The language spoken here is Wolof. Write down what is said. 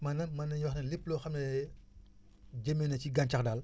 maanaam mën nañu wax ne lépp loo xam ne génnee na ci gàncax daal